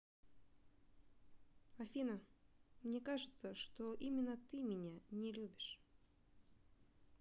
афина мне кажется что именно ты меня не любишь